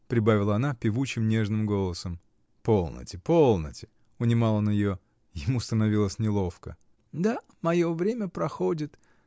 — прибавила она певучим, нежным голосом. — Полноте, полноте! — унимал он ее. Ему становилось неловко. — Да, мое время проходит.